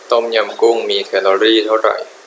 ต้มยำกุ้งมีแคลอรี่เท่าไหร่